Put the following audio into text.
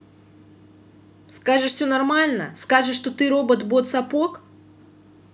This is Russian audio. скажешь все нормально скажешь что ты робот бот сапог